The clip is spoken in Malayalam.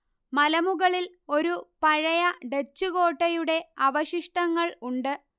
മലമുകളില് ഒരു പഴയ ഡച്ച് കോട്ടയുടെ അവശിഷ്ടങ്ങള് ഉണ്ട്